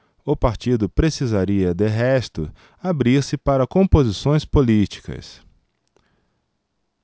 o partido precisaria de resto abrir-se para composições políticas